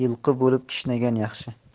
yilqi bo'lib kishnagan yaxshi